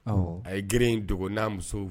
Ɔ, a ye gere in dogo n'a muso